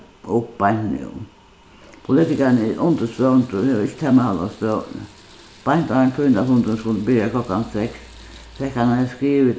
upp beint nú politikarin er undirsvøvntur og hevur ikki tamarhald á støðuni beint áðrenn tíðindafundurin skuldi byrja klokkan seks fekk hann ein skriv við